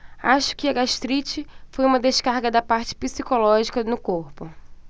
acho que a gastrite foi uma descarga da parte psicológica no corpo